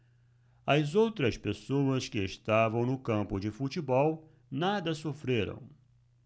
as outras pessoas que estavam no campo de futebol nada sofreram